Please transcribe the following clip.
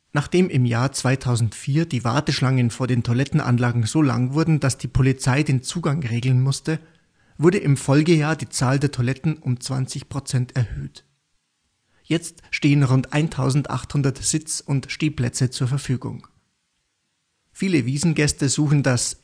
Nachdem im Jahr 2004 die Warteschlangen vor den Toilettenanlagen so lang wurden, dass die Polizei den Zugang regeln musste, wurde im Folgejahr die Zahl der Toiletten um 20 % erhöht. Jetzt stehen rund 1.800 Sitz - und Stehplätze zur Verfügung. Viele Wiesngäste suchen das